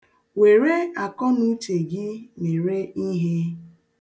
Were akọnuuche gị mere ihe.